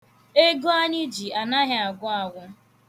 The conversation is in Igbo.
Ego anyị ji anaghị agwụ agwụ.